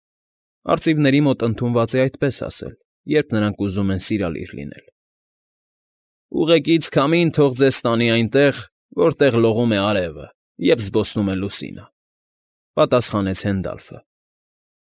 Արծիվների մոտ ընդունված է այդպես ասել, երբ նրանք ուզում են սիրալիր լինել։ ֊ Ուղեկից քամին թող ձեզ տանի այնտեղ, որտեղ լողում է արևը և զբոսնում է լուսինը,֊ պատասխանեց Հենդալֆը։